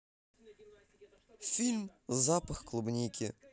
фильм запах клубники